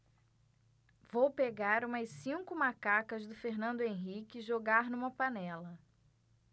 vou pegar umas cinco macacas do fernando henrique e jogar numa panela